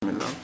bisimilah